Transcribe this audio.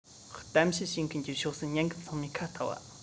གཏམ བཤད བྱེད མཁན གྱི ཕྱོགས སུ ཉན མཁན ཚང མས ཁ ལྟ བ